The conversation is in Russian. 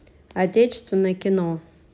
отечественное кино